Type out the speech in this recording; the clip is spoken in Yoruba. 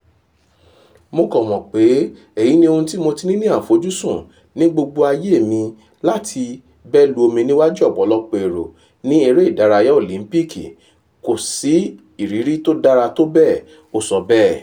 "Mó kàn mọ̀ pé èyí ní ohun tí mó tí ní ńí àfojúsù ní gbogbo ayé mi láti bẹ lu omi níwájú ọ̀pọ̀lọpọ̀ èrò ní Eré ìdárayá Òlìńpìkì, kò sí ìrírí tó dára tó bẹ́ẹ̀,” Ó sọ bẹ́ẹ̀. .